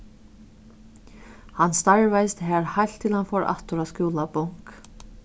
hann starvaðist har heilt til hann fór aftur á skúlabonk